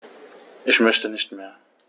Ich möchte nicht mehr.